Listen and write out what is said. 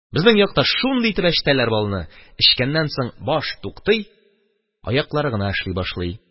Безнең якта шундый итеп әчетәләр балны, эчкәннән соң баш туктый, аяклар гына эшли башлый